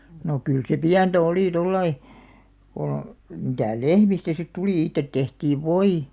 no kyllä se pientä oli tuolla lailla kun mitä lehmistä sitten tuli itse tehtiin voi